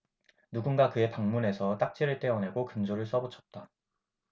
누군가 그의 방문에서 딱지를 떼어내고 근조를 써 붙였다